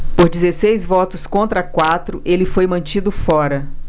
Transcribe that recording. por dezesseis votos contra quatro ele foi mantido fora